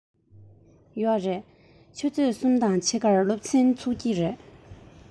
ཡོད རེད ཆུ ཚོད གསུམ དང ཕྱེད ཀར སློབ ཚན ཚུགས ཀྱི རེད